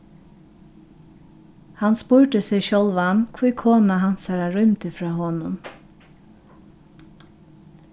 hann spurdi seg sjálvan hví kona hansara rýmdi frá honum